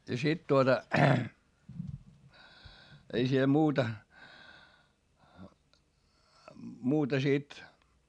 ja sitten tuota ei siellä muuta muuta sitten